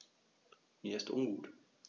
Mir ist ungut.